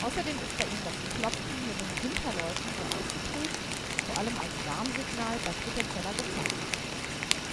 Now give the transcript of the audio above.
Außerdem ist bei ihnen das Klopfen mit den Hinterläufen sehr ausgeprägt, vor allem als Warnsignal bei potentieller Gefahr.